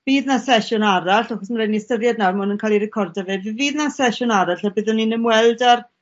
bydd 'na sesiwn arall achos ma' raid i ni ystyried nawr ma' 'wn yn ca'l 'i recordo 'fyd fy- fydd 'na sesiwn arall a byddwn ni'n ymweld â'r